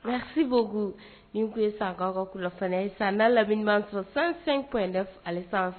Mrci beaucoup nin kun ye san'kaw ka kunafoni, San n'a lamini b'an sɔrɔ 105.9 sanfɛ.